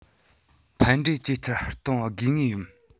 ཕན འབྲས ཇེ ཆེར གཏོང དགོས ངེས ཡིན